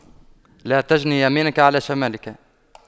لا تجن يمينك على شمالك